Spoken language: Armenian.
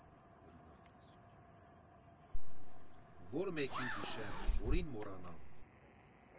Ո՞ր մեկին հիշեմ, որի՞ն մոռանամ.